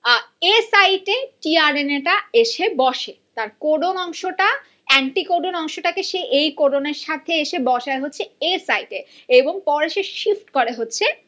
এ সাইটে T R N A টা এসে বসে তার কোন অংশটা এন্টিকোডন এর অংশটাকে এই কোডন অংশের সাথে এসে বসে হচ্ছে এ সাইটে এবং পরে সে শিফট করে হচ্ছে